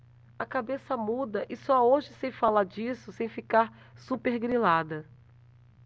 a cabeça muda e só hoje sei falar disso sem ficar supergrilada